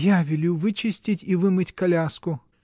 Я велю вычистить и вымыть коляску.